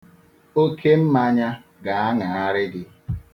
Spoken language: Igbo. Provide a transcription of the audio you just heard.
Oke mmanya ga-aṅagharị gị.